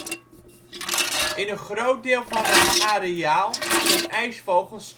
In een groot deel van hun areaal zijn ijsvogels standvogels